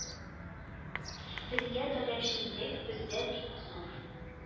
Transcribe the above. Телгә таләпчәнлек бездә бик зур